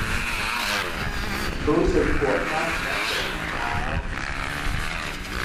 รู้สึกปวดน่องและเจ็บที่เท้า